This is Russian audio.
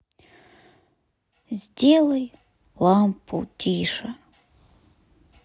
сделай лампу тише